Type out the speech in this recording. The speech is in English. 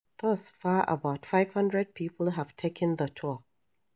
Thus far, about 500 people have taken the tour.